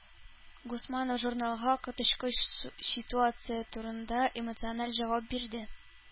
Госманов журналга коточкыч ситуация турында эмоциональ җавап бирде.